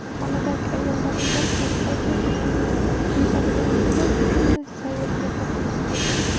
xonadagi ayollarning gap so'zidan bu juvonning bevaligini bilib bir kuni sayrga taklif qildi